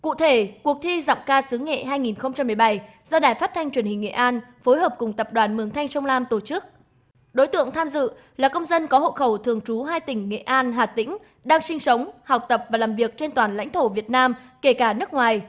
cụ thể cuộc thi giọng ca xứ nghệ hai nghìn không trăm mười bảy do đài phát thanh truyền hình nghệ an phối hợp cùng tập đoàn mường thanh sông lam tổ chức đối tượng tham dự là công dân có hộ khẩu thường trú hai tỉnh nghệ an hà tĩnh đang sinh sống học tập và làm việc trên toàn lãnh thổ việt nam kể cả nước ngoài